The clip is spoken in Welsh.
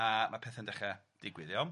a ma' pethe'n dechra digwydd iawn.